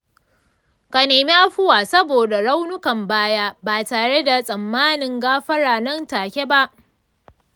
ka nemi afuwa saboda raunukan baya ba tare da tsammanin gafara nan take ba.